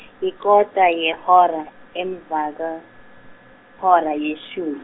yikota yehora emva kwehora leshumi.